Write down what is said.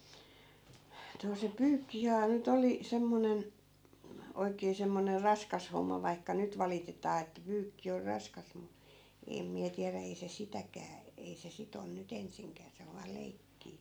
no se pyykkihän nyt oli semmoinen oikein semmoinen raskas homma vaikka nyt valitetaan että pyykki on raskas mutta en minä tiedä ei se sitäkään ei se sitä on nyt ensinkään se on vain leikkiä